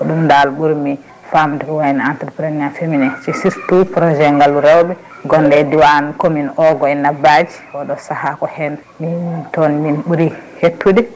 ko ɗum dal ɓuurmi famdeko woni entreprenariat féminin c' est surtout projet ngaalu rewɓe gonɗo e diwan commune Ogo e Nabadji oɗo saaha ko hen min toon min ɓuuri hettude